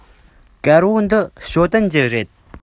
དཀར པོ འདི ཞའོ ཏོན གྱི རེད